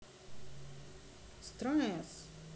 стресс